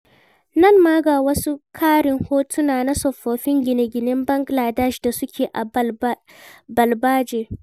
Nan ma ga wasu ƙarin hotuna na tsofaffin gine-ginen Bangaladesh da suke a ɓalɓalce: